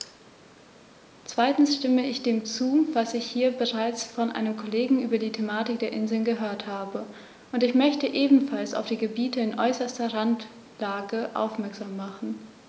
Zweitens stimme ich dem zu, was ich hier bereits von einem Kollegen über die Thematik der Inseln gehört habe, und ich möchte ebenfalls auf die Gebiete in äußerster Randlage aufmerksam machen.